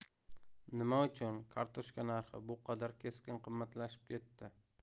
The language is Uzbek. nima uchun kartoshka narxi bu qadar keskin qimmatlashib ketdi